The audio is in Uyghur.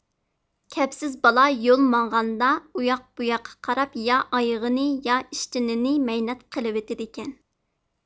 كەپسىز بالا يول ماڭغاندا ئۇياق بۇياققا قاراپ يا ئايىغىنى يا ئىشتىنىنى مەينەت قىلىۋېتىدىكەن